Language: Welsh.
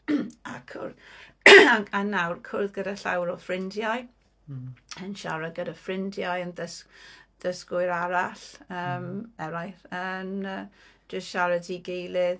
Ac w- a nawr cwrdd gyda llawer o ffrindiau yn siarad gyda ffrindiau yn ddysg- ddysgwyr arall yym... Eraill, yn yy jyst siarad i gilydd.